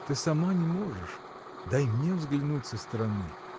Ты сама не можешь: дай мне взглянуть со стороны.